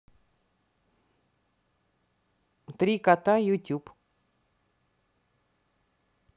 три кота ютюб